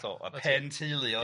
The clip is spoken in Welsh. Hollol a pen teulu oedd